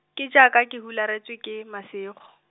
ke jaaka ke hularetswe ke masego.